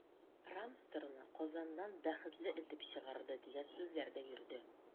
“рамстор”ны казаннан “бәхетле” этеп чыгарды, дигән сүзләр дә йөрде.